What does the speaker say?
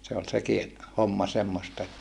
se oli sekin homma semmoista että